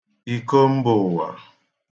iko mbụụwa